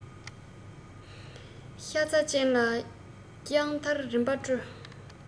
ཤ ཚ ཅན ལ སྐྱོང མཐར རིམ པར སྤྲོད